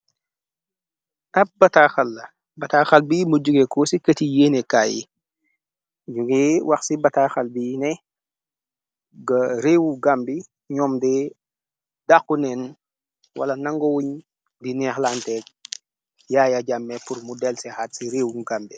ab bataaxal la bataaxal bi muj jogeko ci këti yeenekaay yi yu nge wax ci bataaxal bi ne ga réewu gambi ñom de dàxqu neen wala nanga wuñ di neex lanteek yaaya jamme pur mu dell ci xaat ci réewu gambe